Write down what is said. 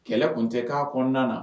Kɛlɛ tun tɛ k'a kɔnɔna na